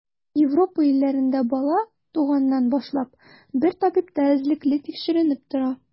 Европа илләрендә бала, туганнан башлап, бер табибта эзлекле тикшеренеп тора.